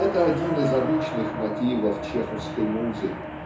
это - один из обычных мотивов чеховской музы.